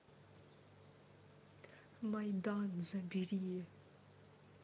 майдан забери